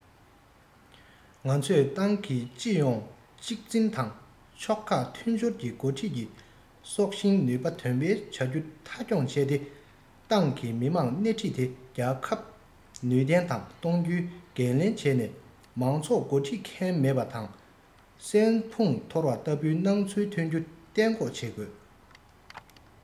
ང ཚོས ཏང གི སྤྱི ཡོངས གཅིག འཛིན དང ཕྱོགས ཁག མཐུན སྦྱོར གྱི འགོ ཁྲིད ཀྱི སྲོག ཤིང ནུས པ འདོན སྤེལ བྱ རྒྱུ མཐའ འཁྱོངས བྱས ཏེ ཏང གིས མི དམངས སྣེ ཁྲིད དེ རྒྱལ ཁབ ནུས ལྡན ངང སྐྱོང རྒྱུའི འགན ལེན བྱས ནས མང ཚོགས འགོ འཁྲིད མཁན མེད པ དང སྲན ཕུང ཐོར བ ལྟ བུའི སྣང ཚུལ ཐོན རྒྱུ གཏན འགོག བྱེད དགོས